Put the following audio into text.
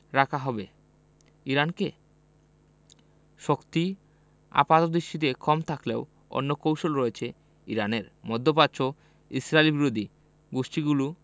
রাখা হবে ইরানকে শক্তি আপাতদৃষ্টিতে কম থাকলেও অন্য কৌশল রয়েছে ইরানের মধ্যপ্রাচ্যে ইসরায়েলবিরোধী গোষ্ঠীগুলো